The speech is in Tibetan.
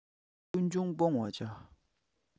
ཀུན འབྱུང སྤོང བར བྱ